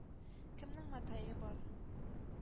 Кемнең матае бар?..